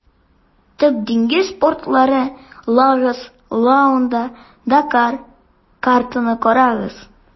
Төп диңгез портлары - Лагос, Луанда, Дакар (картаны карагыз).